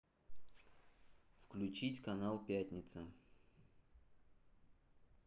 включить канал пятница